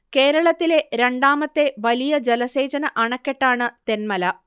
കേരളത്തിലെ രണ്ടാമത്തെ വലിയ ജലസേചന അണക്കെട്ടാണ് തെന്മല